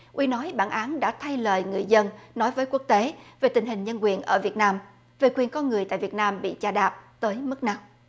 uy nói bản án đã thay lời người dân nói với quốc tế về tình hình nhân quyền ở việt nam về quyền con người tại việt nam bị chà đạp tới mức nào